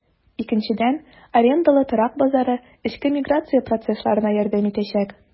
Икенчедән, арендалы торак базары эчке миграция процессларына ярдәм итәчәк.